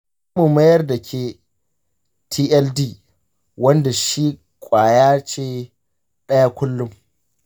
zamu mayar dake tld wanda shi ƙwaya ce ɗaya kullun.